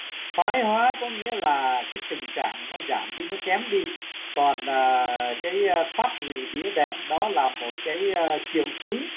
thoái hóa có nghĩa là cái tình trạng nó giảm đi nó kém đi còn ờ cái thoát vị đĩa đệm đó là một cái triệu chứng